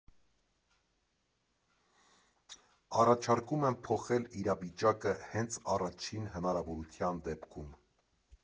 Առաջարկում եմ փոխել իրավիճակը հենց առաջին հնարավորության դեպքում։